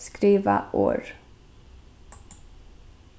skriva orð